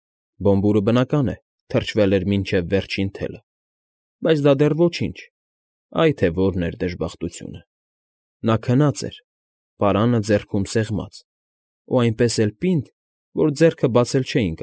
Բոմբուրը, բնական է, թրջվել էր մինչև վերջին թելը, բայց դա դեռ ոչինչ, այ թե որն էր դժբախտությունը. նա քնած էր, պարանը ձեռքում սեղմած, ու այնպես էլ պինդ, որ ձեռքը բացել չէին։